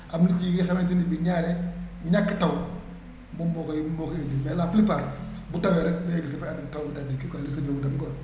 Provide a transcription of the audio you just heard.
am na ci yi nga xamante ne bii ñaare ñàkk taw moom moo koy moo koy indi mais la plus part bu tawee rekk day gis dafay ànd ak taw bi daal di kii quoi lessive bi mu dem quoi